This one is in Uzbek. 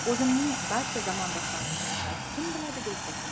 o'zimning barcha zamondoshlarimga va kim biladi deysiz